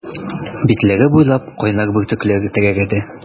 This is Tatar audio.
Битләре буйлап кайнар бөртекләр тәгәрәде.